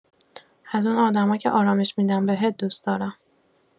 ازون آدما که آرامش می‌دن بهت دوس دارم